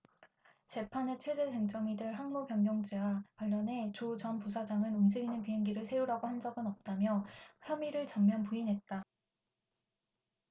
재판의 최대 쟁점이 될 항로변경죄와 관련해 조 전 부사장은 움직이는 비행기를 세우라고 한 적은 없다며 혐의를 전면 부인했다